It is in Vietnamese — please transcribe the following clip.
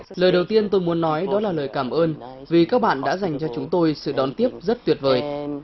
lời đầu tiên tôi muốn nói đó là lời cảm ơn vì các bạn đã dành cho chúng tôi sự đón tiếp rất tuyệt vời